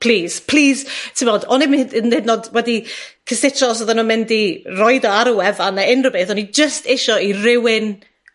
Plîs, plîs ti'mod, o'n i ddim hyd hyd yn hyd yn o'd wedi cysutro os oddan nw mynd i roid o ar yw wefan ne' unryw beth o'n i jyst isio i rywun